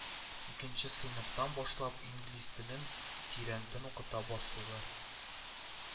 Икенче сыйныфтан башлап инглиз телен тирәнтен укыта башлыйлар